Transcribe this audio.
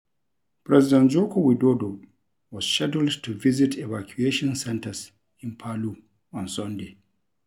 President Joko Widodo was scheduled to visit evacuation centers in Palu on Sunday.